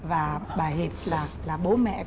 và bà hiệp là là bố mẹ